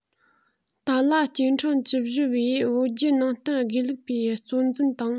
ཏཱ ལ སྐྱེ ཕྲེང བཅུ བཞི པས བོད བརྒྱུད ནང བསྟན དགེ ལུགས པའི གཙོ འཛིན དང